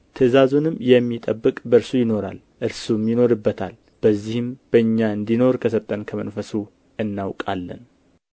ትእዛዙንም የሚጠብቅ በእርሱ ይኖራል እርሱም ይኖርበታል በዚህም በእኛ እንዲኖር ከሰጠን ከመንፈሱ እናውቃለን